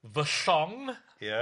fy llong ia